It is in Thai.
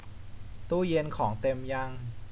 ตู้เย็นของเต็มยัง